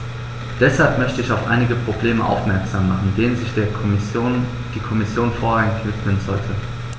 Deshalb möchte ich auf einige Probleme aufmerksam machen, denen sich die Kommission vorrangig widmen sollte.